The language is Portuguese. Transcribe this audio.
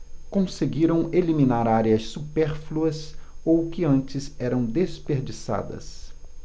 conseguiram eliminar áreas supérfluas ou que antes eram desperdiçadas